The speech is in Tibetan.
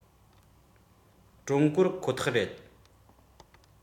སླད ཕྱིན དཔལ འབྱོར དང སྤྱི ཚོགས འཕེལ རྒྱས ལ ཚོད འཛིན བཟོ བའི ཁོ ཐག རེད